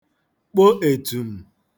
kpo ètùm̀